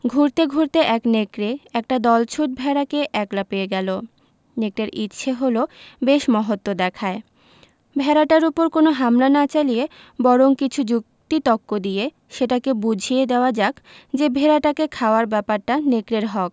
ঘুরতে ঘুরতে এক নেকড়ে একটা দলছুট ভেড়াকে একলা পেয়ে গেল নেকড়ের ইচ্ছে হল বেশ মহত্ব দেখায় ভেড়াটার উপর কোন হামলা না চালিয়ে বরং কিছু যুক্তি তক্ক দিয়ে সেটাকে বুঝিয়ে দেওয়া যাক যে ভেড়াটাকে খাওয়ার ব্যাপারটা নেকড়ের হক